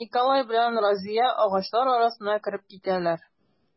Николай белән Разия агачлар арасына кереп китәләр.